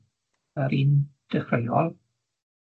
Yr un dechreuol.